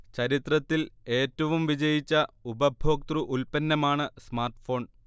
ചരിത്രത്തിൽ ഏറ്റവും വിജയിച്ച ഉപഭോക്തൃ ഉത്പന്നമാണ് സ്മാർട്ഫോൺ